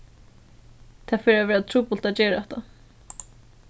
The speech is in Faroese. tað fer at vera trupult at gera hatta